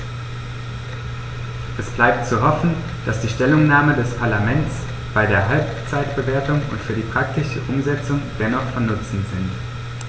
Es bleibt zu hoffen, dass die Stellungnahmen des Parlaments bei der Halbzeitbewertung und für die praktische Umsetzung dennoch von Nutzen sind.